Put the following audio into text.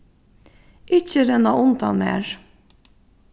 ikki renna undan mær